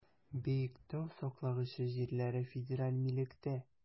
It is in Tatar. Биектау саклагычы җирләре федераль милектә.